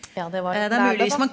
ja det var .